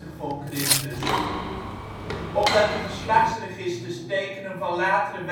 250 v.Chr.. Omdat de geslachtsregisters tekenen van latere